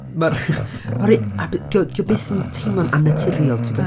Ma'r- o rei- a be', 'di o, 'di o byth yn teimlo'n annaturiol, tibod?